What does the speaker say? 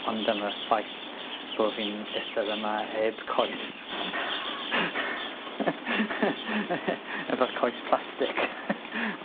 Ond am y ffaith bo' fi'n istedd yma heb coes efo'r coes plastic.